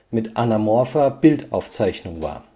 mit anamorpher Bildaufzeichnung war